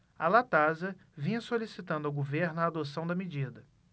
a latasa vinha solicitando ao governo a adoção da medida